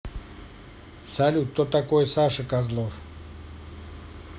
салют кто такой саша козлов